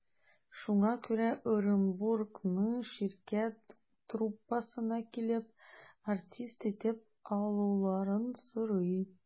Шуңа күрә Ырынбурның «Ширкәт» труппасына килеп, артист итеп алуларын сорый.